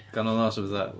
Ganol nos a pethau?